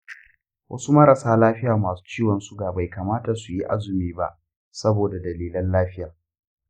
wasu marasa lafiya masu ciwon suga bai kamata su yi azumi ba saboda dalilan lafiya.